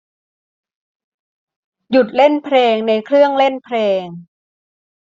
หยุดเล่นเพลงในเครื่องเล่นเพลง